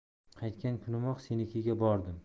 qaytgan kunimoq senikiga bordim